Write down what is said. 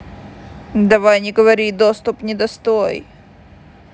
давай не говори доступ недостой